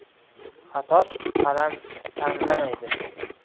xattot qalam tanlamaydi